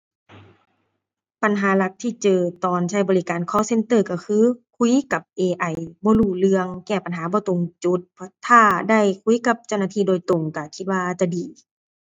ปัญหาหลักที่เจอตอนใช้บริการ call center ก็คือ คุยกับ AI บ่รู้เรื่อง แก้ปัญหาบ่ตรงจุด เพราะถ้าได้คุยกับเจ้าหน้าที่โดยตรงก็คิดว่าจะดี